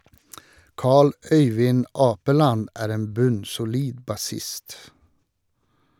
Carl Øyvind Apeland er en bunnsolid bassist.